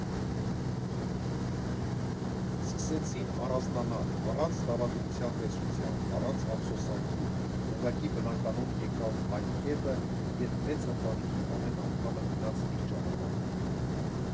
Սկսեցին առանձնանալ, առանց դավադրության տեսության, առանց ափսոսանքի, ուղղակի բնականոն եկավ այն կետը, երբ մեծ ընտանիքի ամեն անդամը գնաց իր ճանապարհով։